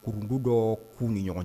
Kurunugu dɔ k'u ni ɲɔgɔn